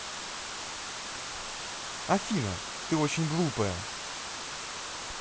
афина ты очень глупая